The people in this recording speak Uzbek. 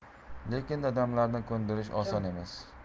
lekin dadamlarni ko'ndirish oson emas